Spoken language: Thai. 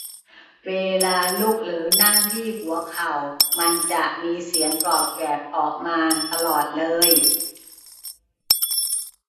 เวลาลุกหรือนั่งที่หัวเข่ามันจะมีเสียงกรอบแกรบออกมาตลอดเลย